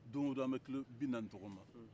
don o don an bɛ kilo binaani tagama